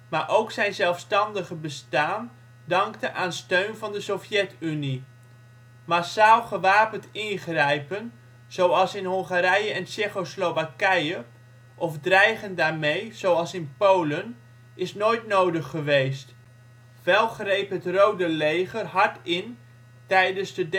maar ook zijn zelfstandige bestaan dankte aan steun van de Sovjet-Unie. Massaal gewapend ingrijpen, zoals in Hongarije en Tsjechoslowakije, of dreigen daarmee, zoals in Polen, is nooit nodig geweest. Wel greep het Rode Leger hard in tijdens de